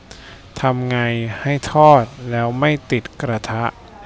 ทำไงให้ทอดแล้วไม่ติดกระทะ